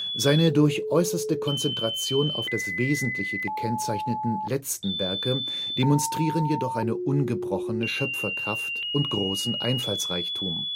Seine durch äußerste Konzentration auf das Wesentliche gekennzeichneten letzten Werke demonstrieren jedoch eine ungebrochene Schöpferkraft und großen Einfallsreichtum